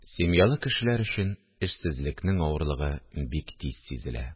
Семьялы кешеләр өчен эшсезлекнең авырлыгы бик тиз сизелә